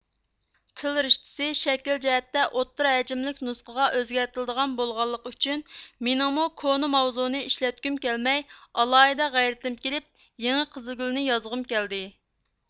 تىل رىشتىسى شەكىل جەھەتتە ئوتتۇرا ھەجىملىك نۇسخىغا ئۆزگەرتىلىدىغان بولغانلىقى ئۈچۈن مېنىڭمۇ كونا ماۋزۇنى ئىشلەتكۈم كەلمەي ئالاھىدە غەيرىتىم كېلىپ يېڭى قىزىلگۈلنى يازغۇم كەلدى